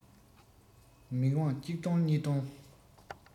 མིག དབང གཅིག ལྡོངས གཉིས ལྡོངས